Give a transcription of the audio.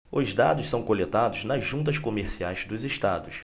os dados são coletados nas juntas comerciais dos estados